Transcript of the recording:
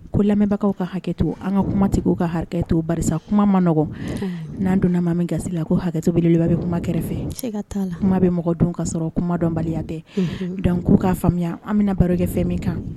Ko lamɛnbagawkaw ka hakɛto an ka kuma tigiw ka hakɛto barisa kuma man nɔgɔnn n'an donna maa min gasi la ko hakɛto beleba bɛ kuma kɛrɛfɛ, siga t'a la, kuma bɛ mɔgɔ dun kasɔrɔ kumadɔnbali tɛ, unhun, donc k'u k'a faamuya an bɛna barokɛ fɛn min kan